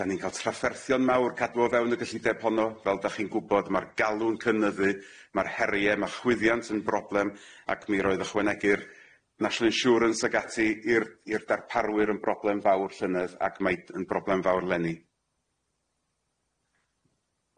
'Dan ni'n ca'l trafferthion mawr cadw o fewn y gellideb honno fel dach chi'n gwbod ma'r galw'n cynyddu ma'r herie ma' chwyddiant yn broblem ac mi roedd ychwanegir National Insurance ag ati i'r i'r darparwyr yn broblem fawr llynedd ac mai d- yn broblem fawr leni.